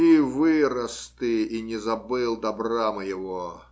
И вырос ты и не забыл добра моего